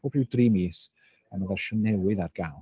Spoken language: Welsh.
Bob ryw dri mis mae 'na fersiwn newydd ar gael.